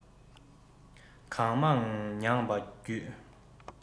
གང མང མྱངས པ བརྒྱུད